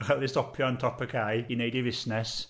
Ac oedd o 'di stopio yn top y cae i wneud ei fusnes.